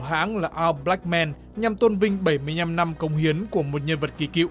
của hãng là a bờ lách men nhằm tôn vinh bảy mươi nhăm năm cống hiến của một nhân vật kỳ cựu